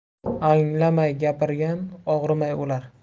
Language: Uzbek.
anglamay gapirgan og'rimay o'lar